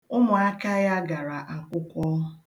Ụmụaka ya gara ụlọakwụkwọ.